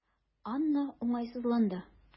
Анна уңайсызланды.